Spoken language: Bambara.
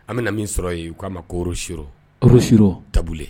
An bɛna min sɔrɔ yen u k'a ma korororo taabolo